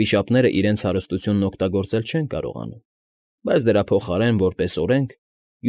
Վիշապներն իրենց հարստությունն օգտագործել չեն կարողանում, բայց դրա փոխարեն, որպես օրենք,